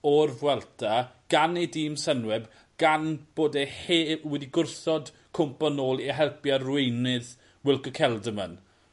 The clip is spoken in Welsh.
o'r Vuelta gan ei dîm Sunweb gan bod e he- wedi gwrthod cwmpo nôl i helpu arweinydd Wilco Kelderman.